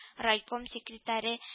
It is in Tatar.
Райком секретаре